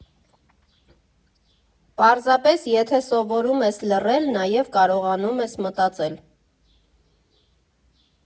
Պարզապես, եթե սովորում ես լռել, նաև կարողանում ես մտածել։